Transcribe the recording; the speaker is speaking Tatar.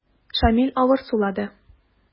Шамил авыр сулады.